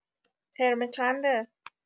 ترم چنده؟